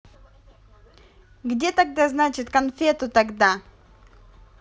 где тогда значит конфету тогда